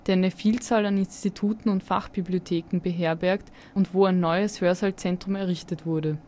eine Vielzahl an Instituten und Fachbibliotheken beherbergt, und wo ein neues Hörsaalzentrum errichtet wurde